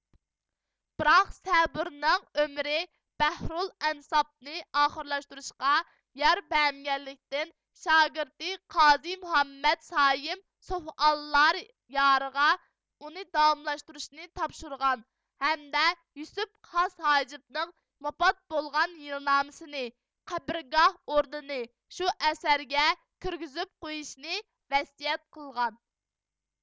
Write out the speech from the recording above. بىراق سەبۇرىنىڭ ئۆمرى بەھرۇل ئەنساب نى ئاخىرلاشتۇرۇشقا يار بەرمىگەنلىكتىن شاگىرتى قازى مۇھەممەد سايىم سوفىئاللار يارىغا ئۇنى داۋاملاشتۇرۇشنى تاپشۇرغان ھەمدە يۈسۈپ خاس ھاجىپنىڭ ۋاپات بولغان يىلنامىسىنى قەبرىگاھ ئورنىنى شۇ ئەسەرگە كىرگۈزۈپ قويۇشنى ۋەسىيەت قىلغان